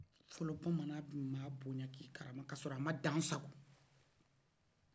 fɔlɔ bamanan bɛ maa boɲan k'i karama ka sɔrɔka sɔrɔ a man dan sa kɔ